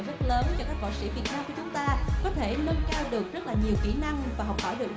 chúng ta có thể nâng cao được rất là nhiều kỹ năng và học hỏi được